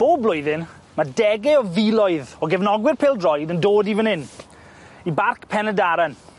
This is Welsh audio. Bob blwyddyn, ma' dege o filoedd o gefnogwyr pêl-droed yn dod i fyn 'yn, i Barc Pen-y-Daran.